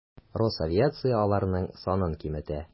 Росавиация аларның санын киметә.